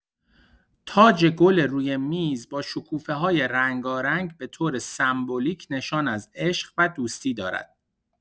تاج‌گل روی میز با شکوفه‌های رنگارنگ به‌طور سمبولیک نشان از عشق و دوستی دارد.